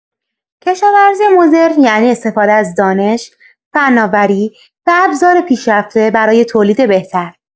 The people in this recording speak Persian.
کشاورزی مدرن یعنی استفاده از دانش، فناوری و ابزار پیشرفته برای تولید بهتر.